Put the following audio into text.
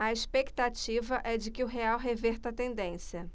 a expectativa é de que o real reverta a tendência